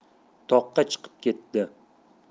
toqqa chiqib ketdi